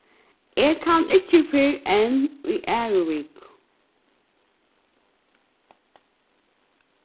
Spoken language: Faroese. eg kann ikki fyrr enn í aðru viku